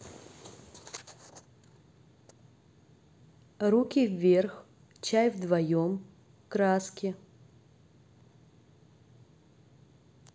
руки вверх чай вдвоем краски